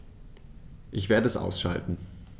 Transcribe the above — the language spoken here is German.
Ich werde es ausschalten